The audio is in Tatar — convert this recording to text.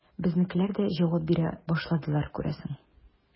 Безнекеләр дә җавап бирә башладылар, күрәсең.